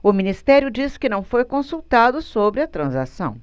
o ministério diz que não foi consultado sobre a transação